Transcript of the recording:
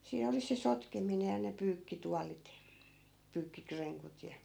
siinä oli se sotkeminen ja ne pyykkituolit pyykkikrenkut ja